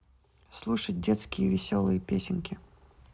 слушать детские веселые песенки